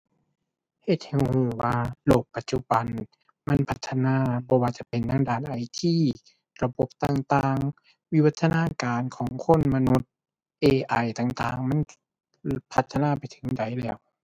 เฮ็ดให้รู้ว่าโลกปัจจุบันมันพัฒนา บ่ว่าจะเป็นนำด้าน IT ระบบต่างต่าง วิวัฒนาการของคน มนุษย์ AI ต่างต่าง มันพัฒนาไปถึงใดแล้ว